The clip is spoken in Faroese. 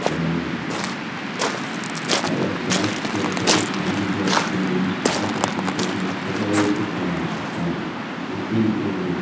hjá monnunum harafturat fáa tær ikki endurgjald fyri mista arbeiðsinntøku tá tær eru uttanlands og spæla og tí eru